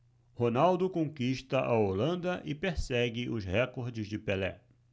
ronaldo conquista a holanda e persegue os recordes de pelé